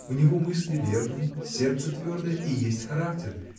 У него мысли верные, сердце твердое — и есть характер.